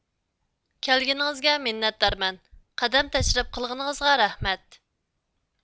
كەلگىنىڭىزگە مىننەتدارمەن قەدەم تەشرىپ قىلغىنىڭىزغا رەھمەت